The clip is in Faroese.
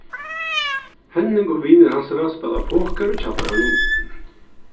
henning og vinir hansara spæla poker í kjallaranum